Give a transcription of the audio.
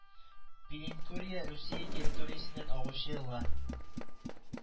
Пеленкурья Русия территориясеннән агучы елга